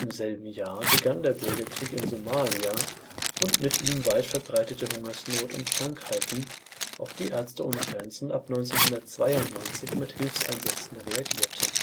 selben Jahr begann der Bürgerkrieg in Somalia und mit ihm weit verbreitete Hungersnot und Krankheiten, auf die MSF ab 1992 mit Hilfseinsätzen reagierte